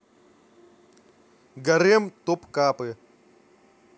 гарем топкапы